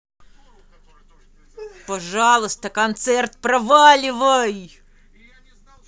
пожалуйста концерт проваливай